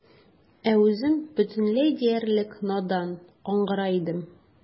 Ә үзем бөтенләй диярлек надан, аңгыра идем.